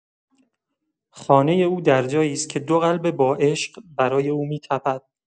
خانه او در جایی است که دو قلب با عشق برای او می‌تپد.